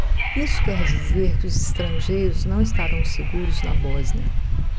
isso quer dizer que os estrangeiros não estarão seguros na bósnia